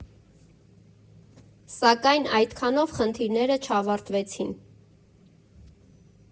Սակայն այդքանով խնդիրները չավարտվեցին։